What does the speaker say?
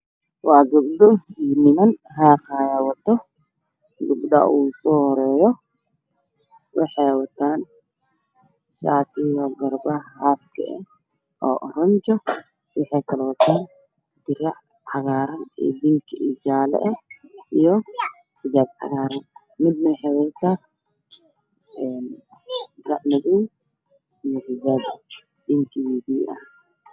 Meeshan waxaa joogo naga waxay qabaan dhar cagaaran jaale banaanka iyo xaqayaan dhulka waa ciidda